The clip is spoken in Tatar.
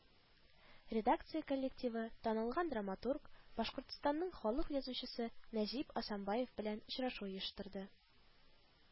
Редакция коллективы танылган драматург, Башкортстанның халык язучысы Нәҗип Асанбаев белән очрашу оештырды